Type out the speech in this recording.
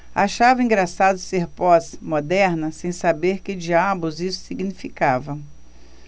achava engraçado ser pós-moderna sem saber que diabos isso significava